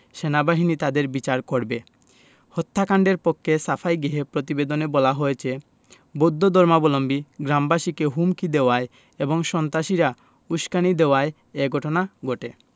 সেনাবাহিনী তাদের বিচার করবে হত্যাকাণ্ডের পক্ষে সাফাই গেয়ে প্রতিবেদনে বলা হয়েছে বৌদ্ধ ধর্মাবলম্বী গ্রামবাসীকে হুমকি দেওয়ায় এবং সন্ত্রাসীরা উসকানি দেওয়ায় এ ঘটনা ঘটে